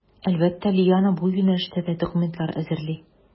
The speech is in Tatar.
Әлбәттә, Лиана бу юнәлештә дә документлар әзерли.